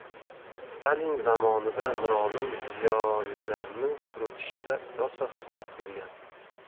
stalin zamonida mirolim ziyolilarni quritishda rosa xizmat qilgan